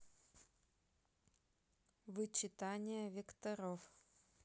вычитание векторов